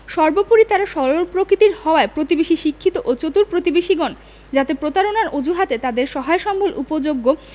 সর্বপরি তারা সরল প্রকৃতির হওয়ায় প্রতিবেশী শিক্ষিত ও চতুর প্রতিবেশীগণ যাতে প্রতারণার অজুহাতে তাদের সহায় সম্ভল উপযোগ্য